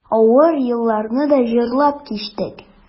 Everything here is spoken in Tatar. Авыр елларны да җырлап кичтек.